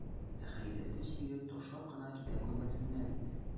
Гайрәте чигеп, ташлап кына китә күрмәсеннәр инде.